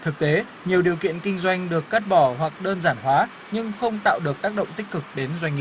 thực tế nhiều điều kiện kinh doanh được cắt bỏ hoặc đơn giản hóa nhưng không tạo được tác động tích cực đến doanh